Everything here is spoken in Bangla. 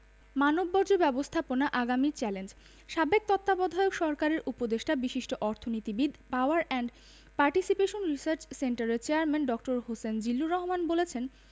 মানববর্জ্য ব্যবস্থাপনা আগামীর চ্যালেঞ্জ সাবেক তত্ত্বাবধায়ক সরকারের উপদেষ্টা বিশিষ্ট অর্থনীতিবিদ পাওয়ার অ্যান্ড পার্টিসিপেশন রিসার্চ সেন্টারের চেয়ারম্যান ড.হোসেন জিল্লুর রহমান বলেছেন